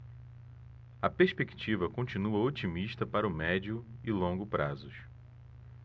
a perspectiva continua otimista para o médio e longo prazos